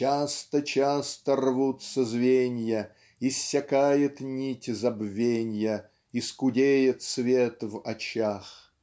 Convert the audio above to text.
Часто-часто рвутся звенья Иссякает нить забвенья И скудеет свет в очах